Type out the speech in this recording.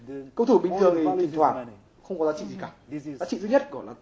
cầu thủ bình thường thì thỉnh thoảng không có giá trị gì cả giá trị duy nhất của